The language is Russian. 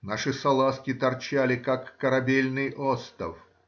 наши салазки торчали как корабельный остов